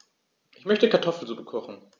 Ich möchte Kartoffelsuppe kochen.